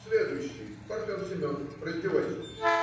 Следующий, Парфен Семенов, раздевайся!